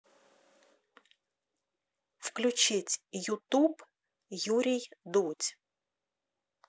включить ютуб юрий дудь